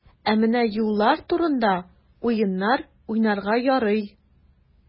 Ә менә юллар турында уеннар уйнарга ярый.